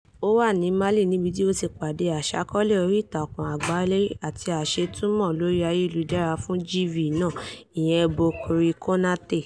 Ó wà ní Mali níbi tí ó ti pàdé aṣàkọọ́lẹ̀ oríìtakùn àgbáyé àti aṣètumọ̀ lórí ayélujára fún GV náà, ìyẹn Boukary Konaté.